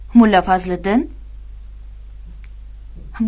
mulla fazliddin